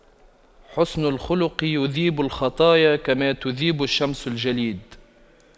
حُسْنُ الخلق يذيب الخطايا كما تذيب الشمس الجليد